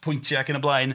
Pwyntiau ac yn y blaen.